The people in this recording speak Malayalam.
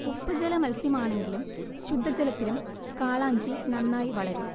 ഉപ്പ്ജല മത്സ്യമാണെങ്കിലും ശുദ്ധജലത്തിലും കാളാഞ്ചി നന്നായി വളരും